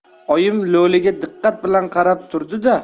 oyim lo'liga diqqat bilan qarab turdi da